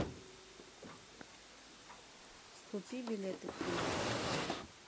купи билеты в кино